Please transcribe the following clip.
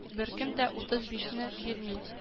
Беркем дә утыз бишне бирми